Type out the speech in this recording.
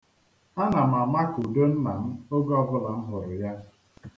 Ana m amakudo nna m oge ọbụla m hụrụ ya.